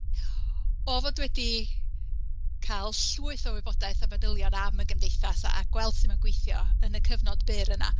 O fod wedi cael llwyth o wybodaeth a manylion am y Gymdeithas, a gweld sut ma'n gweithio yn y cyfnod byr yna.